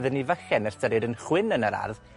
bydden ni falle'n ystyried yn chwyn yn yr ardd,